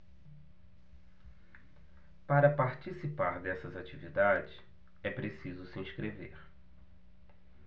para participar dessas atividades é preciso se inscrever